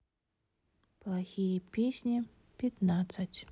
плохие песни пятнадцать